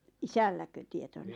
isälläkö tietona